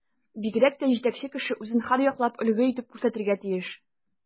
Бигрәк тә җитәкче кеше үзен һәрьяклап өлге итеп күрсәтергә тиеш.